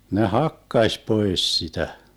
ne hakkasi pois sitä